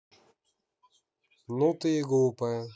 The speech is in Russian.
ну ты и глупая